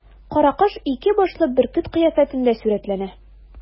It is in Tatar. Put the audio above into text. Каракош ике башлы бөркет кыяфәтендә сурәтләнә.